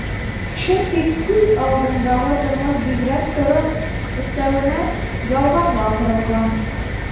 Чөнки күз алдындагы тормыш бигрәк соры, өстәвенә ялганга корылган...